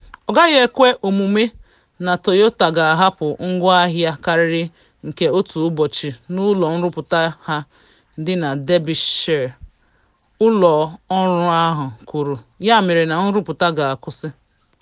Ọ gaghị ekwe omume na Toyota ga-ahapụ ngwaahịa karịrị nke otu ụbọchị n’ụlọ nrụpụta ha dị na Derbyshire, ụlọ ọrụ ahụ kwuru, yamere na nrụpụta ga-akwụsị.